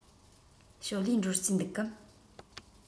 ཞའོ ལིའི འགྲོ རྩིས འདུག གམ